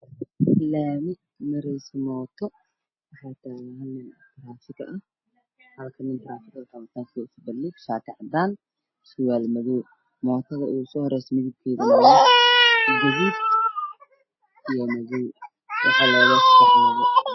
Waa laami waxaa marayo mootooyin waxaa taagan nin taraafik wata shaati cadaan madow oo saareyso wajahan wasiir